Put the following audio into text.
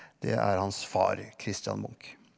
det er hans far Christian Munch.